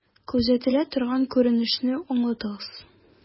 Күзәтелә торган күренешне аңлатыгыз.